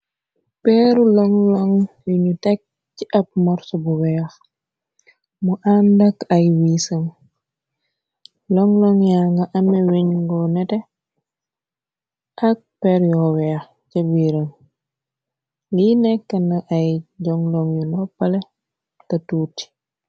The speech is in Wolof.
Peeru long loŋg yunu tekk ci ab morso bu weex, mu àndak ay wiisam, long long yaa nga ame weñ goo nete, ak peer yoo weex ca biiram, li nekk na ay long loŋg yu noppale te tuuti.